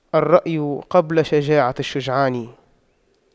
الرأي قبل شجاعة الشجعان